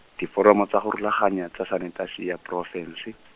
Diforamo tsa go rulaganya tsa sanetasi ya porofense.